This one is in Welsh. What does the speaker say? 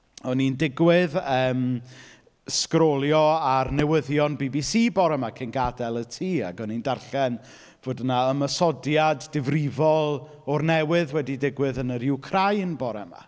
O'n i'n digwydd yym, sgrolio ar newyddion BBC bore 'ma cyn gadael y tŷ, ac o'n i'n darllen fod 'na ymysoddiad difrifol o'r newydd wedi digwydd yn yr Wcráin bore 'ma.